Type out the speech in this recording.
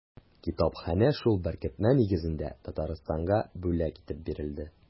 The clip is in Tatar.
Китапханә шул беркетмә нигезендә Татарстанга бүләк итеп бирелде.